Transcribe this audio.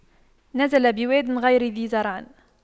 نزل بواد غير ذي زرع